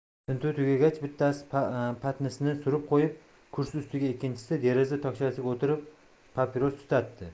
tintuv tugagach bittasi patnisni surib qo'yib kursi ustiga ikkinchisi deraza tokchasiga o'tirib papiros tutatdi